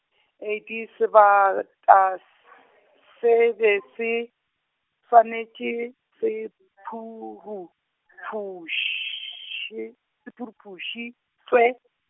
eighty, sebata -s se be se, swanetše, se phuruphuši- e phuruphušitšwe.